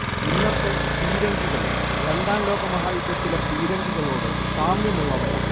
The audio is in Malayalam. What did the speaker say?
ഇന്നത്തെ പീരങ്കികളും രണ്ടാം ലോകമഹായുദ്ധത്തിലെ പീരങ്കികളോട് സാമ്യമുള്ളവയാണ്